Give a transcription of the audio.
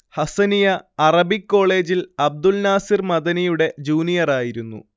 Hasaniya Arabic കോളേജിൽ അബ്ദുന്നാസിർ മദനിയുടെ ജൂനിയറായിരുന്നു